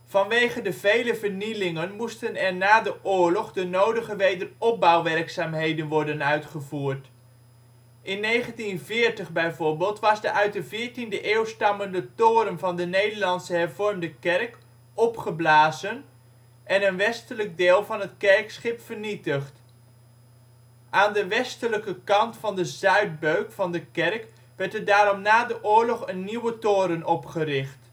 Vanwege de vele vernielingen moesten er na de oorlog de nodige wederopbouwwerkzaamheden worden uitgevoerd. In 1940 bijvoorbeeld was de uit de 14e eeuw stammende toren van de Nederlandse Hervormde Kerk opgeblazen en een westelijk deel van het kerkschip vernietigd. Aan de westelijke kant van de zuidbeuk van de kerk werd er daarom na de oorlog een nieuwe toren opgericht